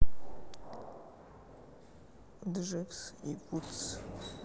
дживс и вудс